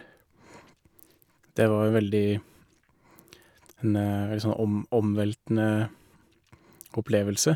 Det var jo veldig en veldig sånn om omveltende opplevelse.